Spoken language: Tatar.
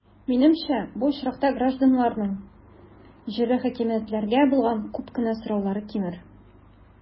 Минемчә, бу очракта гражданнарның җирле хакимиятләргә булган күп кенә сораулары кимер.